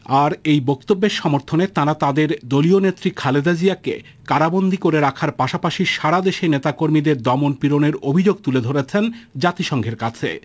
আর এই বক্তব্যের সমর্থনে তারা তাদের দলীয় নেত্রী খালেদা জিয়াকে কারা বন্দী করে রাখার পাশাপাশি সারা দেশের দমন-পীড়নের অভিযোগ তুলে ধরেছেন জাতিসংঘের কাছে